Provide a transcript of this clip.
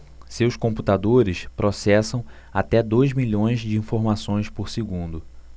seus computadores processam até dois milhões de informações por segundo